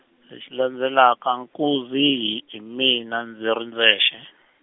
le xi landzelaka nkuzi hi mina ndzi ri ndzexe.